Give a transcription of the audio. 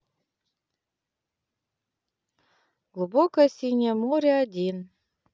глубокое синее море один